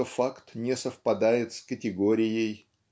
что факт не совпадает с категорией.